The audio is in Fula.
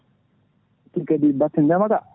tuggani batte ndeemaka